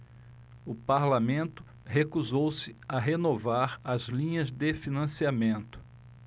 o parlamento recusou-se a renovar as linhas de financiamento